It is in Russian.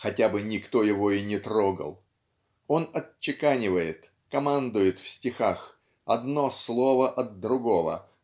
хотя бы никто его и не трогал он отчеканивает командует в стихах одно слово от другого